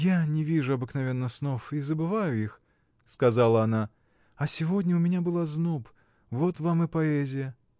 — Я не вижу обыкновенно снов или забываю их, — сказала она, — а сегодня у меня был озноб: вот вам и поэзия!